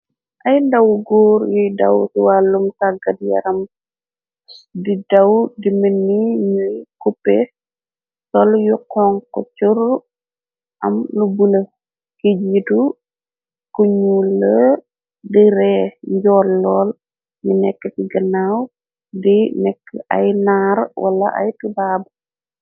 Ay ndawu góor yuy daw wàllum tàggat yaram s di daw di mëni ñuy kuppe sol yu xoŋku cor am lu bune ki jiitu ku ñu lë di ree njollool ni nekk ci ginnaaw di nekk ay naar wala ay tubaab.